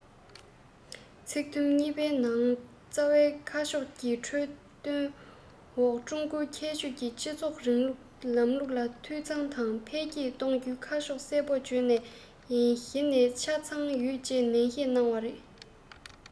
ཚིག དུམ གཉིས པའི ནང རྩ བའི ཁ ཕྱོགས ཀྱི ཁྲིད སྟོན འོག ཀྲུང གོའི ཁྱད ཆོས ཀྱི སྤྱི ཚོགས རིང ལུགས ལམ ལུགས འཐུས ཚང དང འཕེལ རྒྱས གཏོང རྒྱུའི ཁ ཕྱོགས གསལ པོ བརྗོད ན གཞི ནས ཆ ཚང ཡོད ཅེས ནན བཤད གནང བ རེད